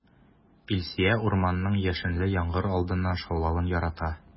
Илсөя урманның яшенле яңгыр алдыннан шаулавын ярата.